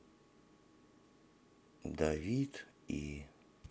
давид и